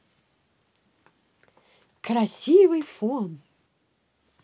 красивый фон